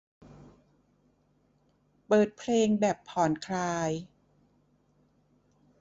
เปิดเพลงแบบผ่อนคลาย